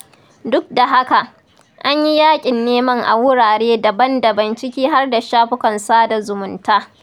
Duk da haka, an yi yaƙin neman a wurare daban-daban ciki har da shafukan sada zumunta.